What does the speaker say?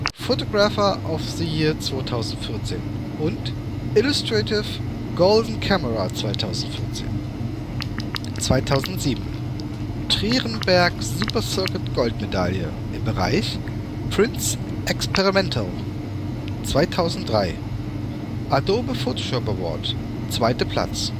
Photographer of the Year 2014, FEP Illustrative Golden Camera 2014 2007: Trierenberg Super Circuit Gold MEDAILLE (PRINTS EXPERIMENTAL) 2003: Adobe Photoshop Award - 2. Platz